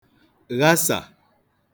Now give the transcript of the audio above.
ghasà